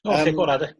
O lle gora 'de?